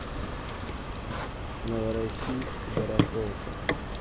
новороссийск барахолка